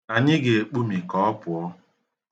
Anyị ga-ekpumi ka ọ pụo.